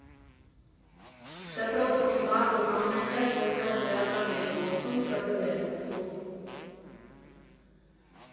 Դպրոցում, բակում, ամեն տեղ, որտեղ գրական էի խոսում, կռիվ էր սկսվում։